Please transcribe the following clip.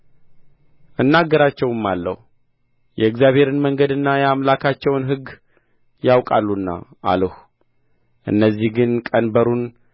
እናገራቸውማለሁ የእግዚአብሔርን መንገንድና የአምላካቸውን ሕግ ያውቃሉና አልሁ እነዚህ ግን ቀንበሩን